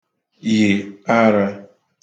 yị̀ ara